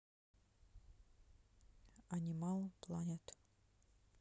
анимал планет